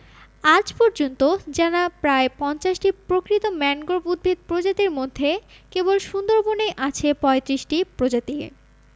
আজ পর্যন্ত জানা প্রায় ৫০টি প্রকৃত ম্যানগ্রোভ উদ্ভিদ প্রজাতির মধ্যে কেবল সুন্দরবনেই আছে ৩৫টি প্রজাতি